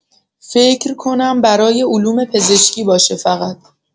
فکر کنم برای علوم‌پزشکی باشه فقط